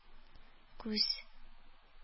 Күз